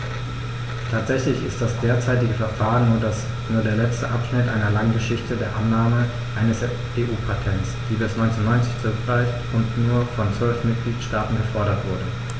Tatsächlich ist das derzeitige Verfahren nur der letzte Abschnitt einer langen Geschichte der Annahme eines EU-Patents, die bis 1990 zurückreicht und nur von zwölf Mitgliedstaaten gefordert wurde.